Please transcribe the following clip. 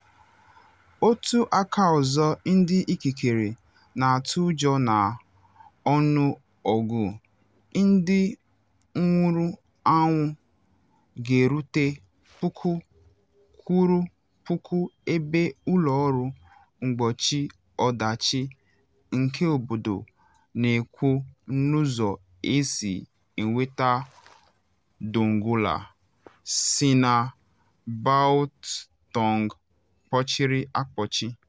Otu aka ọzọ, ndị ikikere na atụ ụjọ na ọnụọgụ ndị nwụrụ anwụ ga-erute puku kwụrụ puku ebe ụlọ ọrụ mgbochi ọdachi nke obodo na ekwu n’ụzọ esi enweta Donggala, Sigi na Boutong kpọchiri akpọchi.